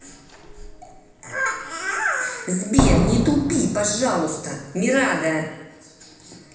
сбер не тупи пожалуйста мерада